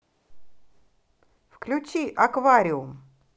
включи аквариум